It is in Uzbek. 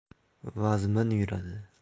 vazmin yuradi